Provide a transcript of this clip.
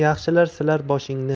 yaxshilar silar boshingni